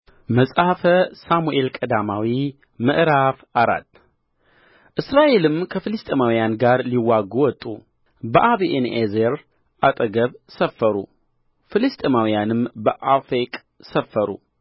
መጽሐፈ ሳሙኤል ቀዳማዊ ምዕራፍ አራት እስራኤልም ከፍልስጥኤማውያን ጋር ሊዋጋ ወጡ በአቤንኤዘር አጠገብ ሰፈሩ ፍልስጥኤማውያን በአፌቅ ሰፈሩ